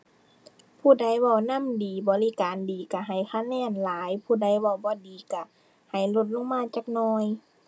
ผู้ใดเว้านำดี บริการดีก็ให้คะแนนหลาย ผู้ใดเว้าบ่ดีก็ให้ลดลงมาจักหน่อย